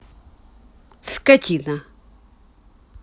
скотина